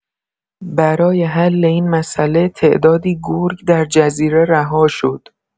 برای حل این مساله تعدادی گرگ در جزیره رها شد.